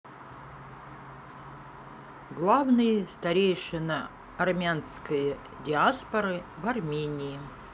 главный старейшина армянской диаспоры в армении